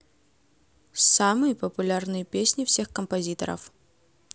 самые популярные песни всех композиторов